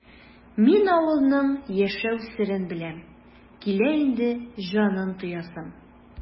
Мин авылның яшәү серен беләм, килә инде җанын тоясым!